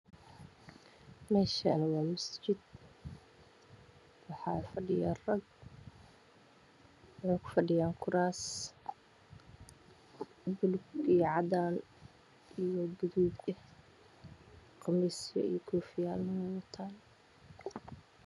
Meeshaan waa masjid waxaa fadhiya rag waxay ku fadhiyaan kuraas bulug iyo cadaan iyo gaduud eh qamiis iyo koofiyaal way wataan.